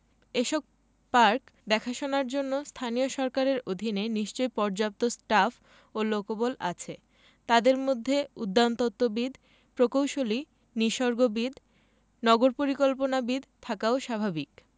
এসব পার্ক দেখাশোনার জন্য স্থানীয় সরকারের অধীনে নিশ্চয়ই পর্যাপ্ত স্টাফ ও লোকবল আছে তাদের মধ্যে উদ্যানতত্ত্ববিদ প্রকৌশলী নিসর্গবিদ নগর পরিকল্পনাবিদ থাকাও স্বাভাবিক